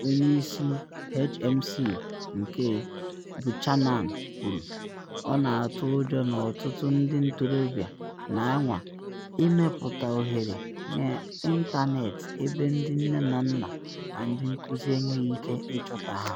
Onye isi HMC Mike Buchanan kwuru: “Ọ na atụ ụjọ na ọtụtụ ndị ntorobịa na anwa ịmepụta oghere n’ịntanetị ebe ndị nne na nna na ndị nkuzi enweghị ike ịchọta ha.”